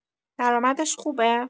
درآمدش خوبه؟